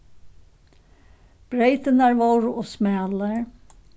breytirnar vóru ov smalar